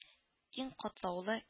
Иң катлаулы